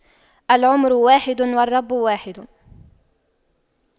العمر واحد والرب واحد